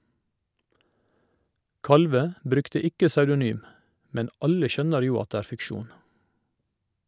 Kalvø brukte ikke pseudonym, men alle skjønner jo at det er fiksjon.